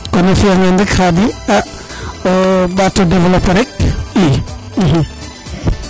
kon a fiya ngan rek khadim o ɓaote developper rek i